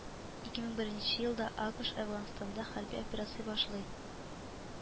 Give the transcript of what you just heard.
Ике мең беренче акыш әфганстанда хәрби операция башлый